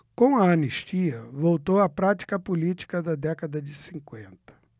com a anistia voltou a prática política da década de cinquenta